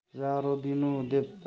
za rodinu deb